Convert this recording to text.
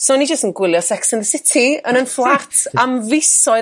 so oni jyst yn gwylio Sex and the City yn y fflat am fisoedd